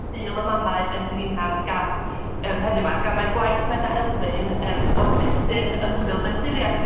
Sul y Mamau yn Greenham gan yym heddiw 'ma gan mae gwaith Menna Elfyn odd testun ymchwil doethurieth...